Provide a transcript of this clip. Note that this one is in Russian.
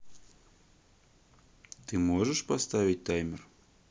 ты можешь поставить таймер